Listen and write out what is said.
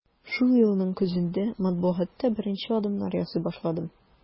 Шул елның көзендә матбугатта беренче адымнар ясый башладым.